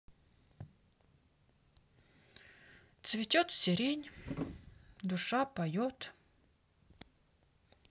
цветет сирень душа поет